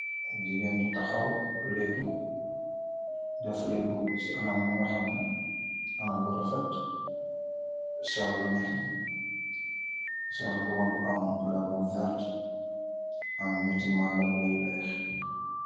Jireen ju taxaw leetu , def leetu ci anam bi nga xamna, anam bu rofet. Sol lunet, sol mbuma bu am kuler bu vert am neti màndorbay weex.